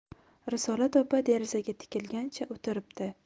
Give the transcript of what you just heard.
risolat opa derazaga tikilgancha o'tiribdi